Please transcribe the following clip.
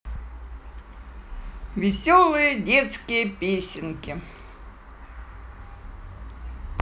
веселые детские песенки